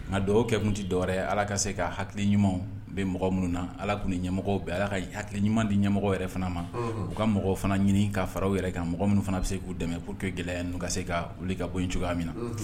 Nka dɔw kɛ tun tɛ dɔwɛrɛ ye ala ka se ka hakili ɲumanw bɛ mɔgɔ minnu na ala tun ni ɲɛmɔgɔ bɛ ala ka hakili ɲuman di ɲɛmɔgɔ yɛrɛ fana ma u ka mɔgɔw fana ɲini ka faraw yɛrɛ kan mɔgɔ minnu fana bɛ se k'u dɛmɛ po que gɛlɛya n'u ka se ka wuli ka bɔ cogoya min na